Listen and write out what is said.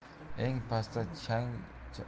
eng pastda chang chalayotgan